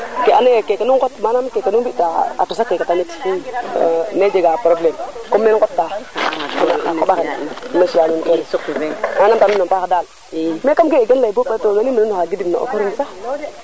ke ando naye keke nu manam keke nu mbita a tosa ke tamit ne jega probleme comme neenu ngota mais kam ga e gan ley bo pare te nanim o leng na nuun oxa gidim na o korum sax